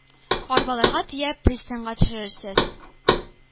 Арбаларга төяп пристаньга төшерерсез.